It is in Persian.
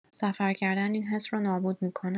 سفر کردن این حس رو نابود می‌کنه.